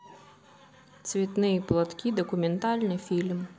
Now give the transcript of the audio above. цветные платки документальный фильм